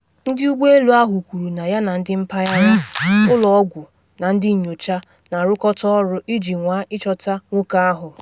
Ndị ụgbọ elu ahụ kwuru na ya na ndị mpaghara, ụlọ ọgwụ na ndị nyocha na arụkọta ọrụ iji nwaa ịchọta nwoke ahụ.